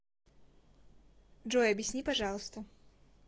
джой объясни пожалуйста